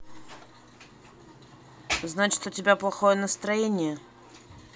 значит у тебя плохое настроение